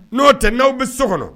N'o tɛ n'aw bɛ so kɔnɔ